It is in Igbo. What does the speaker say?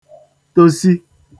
tosi